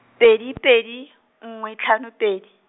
pedi pedi, nngwe tlhano pedi.